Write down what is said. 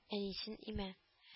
Әнисен имә